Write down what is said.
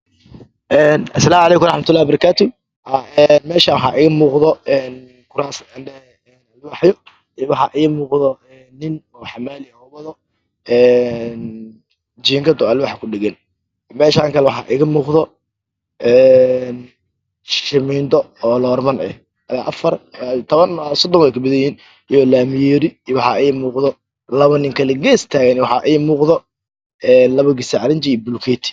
Asalaaymu calaykum waraxmatulaah wabarakaaatu meeshaan waxaa iiga muuqda kuraas aan dhahee ubaxyo iyo waxaa ii muuqda ni oo xamaali wado jiingad oo alwaax ku dhagan meeshaan waxaa kale iiga muuqda shamiito oo loorman ah afar tabon ilaa shodon way ka badanyihiin iyo laami yeeri iyo waxaa ii muuqda labo ninkale gees taagan waxaa ii muuqda gasac riinji iyo bulukeeti